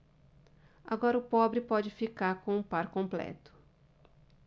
agora o pobre pode ficar com o par completo